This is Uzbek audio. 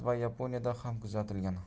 va yaponiyada ham kuzatilgan